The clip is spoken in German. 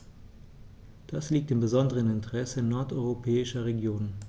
Dies liegt im besonderen Interesse nordeuropäischer Regionen.